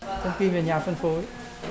thông tin về nhà phân phối